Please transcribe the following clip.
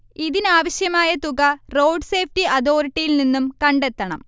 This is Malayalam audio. ഇതിനാവശ്യമായ തുക റോഡ് സേഫ്ടി അതോറിറ്റിയിൽ നിന്നും കണ്ടെത്തണം